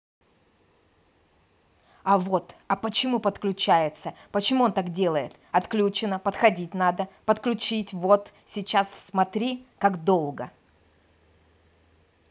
а вот а почему подключается почему он так делает отключено подходить надо подключить вот сейчас смотри как долго